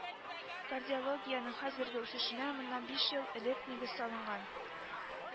Кардиологиянең хәзерге үсешенә моннан биш ел элек нигез салынган